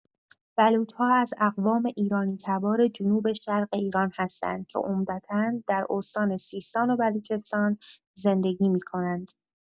بلوچ‌ها از اقوام ایرانی‌تبار جنوب‌شرق ایران هستند که عمدتا در استان سیستان و بلوچستان زندگی می‌کنند.